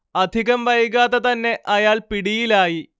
അധികം വൈകാതെ തന്നെ അയാൾ പിടിയിലായി